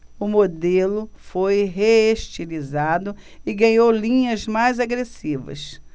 o modelo foi reestilizado e ganhou linhas mais agressivas